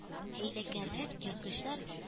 Хәйләкәррәк ерткычлар